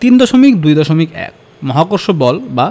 3.2.1 মহাকর্ষ বল বা